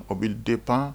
O bi dépend